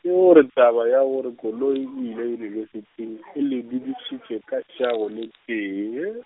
ke gore taba ya gore Koloi o ile yunibesithing, e le du- dudišitše ka swago le tee, he.